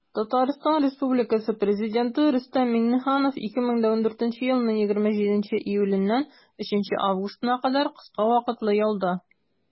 Татарстан Республикасы Президенты Рөстәм Миңнеханов 2014 елның 27 июленнән 3 августына кадәр кыска вакытлы ялда.